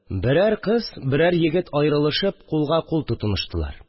Берәр кыз, берәр егет, аэрылышып, кулга-кулыныштылар